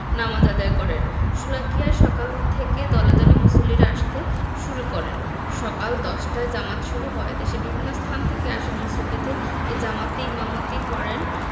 নামাজ আদায় করেন শোলাকিয়ায় সকাল থেকে দলে দলে মুসল্লিরা আসতে শুরু করেন সকাল ১০টায় জামাত শুরু হয় দেশের বিভিন্ন স্থান থেকে আসা মুসল্লিদের এই জামাতে ইমামতি করেন